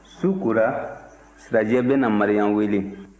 su kora sirajɛ bɛ na maria wele